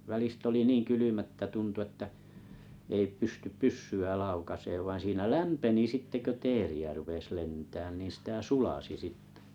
välistä oli niin kylmä että tuntui että ei pysty pyssyä laukaisemaan vaan siinä lämpeni sitten kun teeriä rupesi lentämään niin sitä sulasi sitten